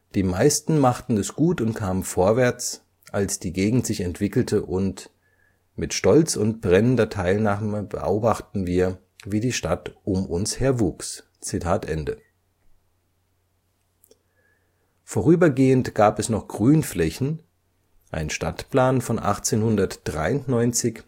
die meisten machten es gut und kamen vorwärts, als die Gegend sich entwickelte “und „ Mit Stolz und brennender Teilnahme beobachteten wir, wie die Stadt um uns her wuchs. “Schema des Straßenverlaufs mit Hausnummern, Berliner Adressbuch, 1919 Vorübergehend gab es noch Grünflächen, ein Stadtplan von 1893